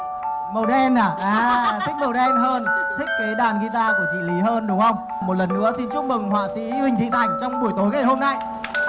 màu đen à à thích màu đen hơn thích cái đàn ghi ta của chị lý hơn đúng hông một lần nữa xin chúc mừng họa sĩ huynh thế thành trong buổi tối ngày hôm nay